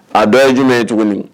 A dɔ ye jumɛn ye tuguni